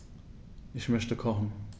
Ich möchte kochen.